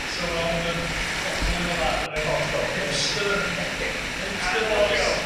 So ma' 'wn yn goblyn o farf. Yn hollol ia. Hipster Hipster, oes!